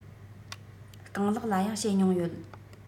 རྐང ལག ལ ཡང བྱེད མྱོང ཡོད